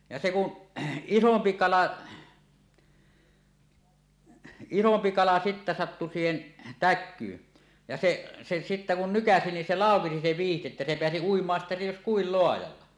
ja se kun isompi kala isompi kala sitten sattui siihen täkyyn ja se se sitten kun nykäisi niin se laukesi se vyyhti että se pääsi uimaan sitten jos kuinka laajalla